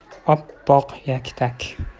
oppoq yaktak